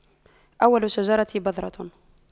أول الشجرة بذرة